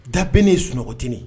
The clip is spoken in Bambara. Da bɛ ne ye ,sunɔgɔ tɛ ne ye